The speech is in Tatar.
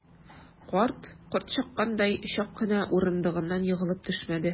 Карт, корт чаккандай, чак кына урындыгыннан егылып төшмәде.